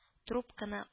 Трубканы